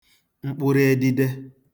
mkpụrụ edide